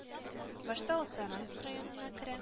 Башта ул Саранск районына керә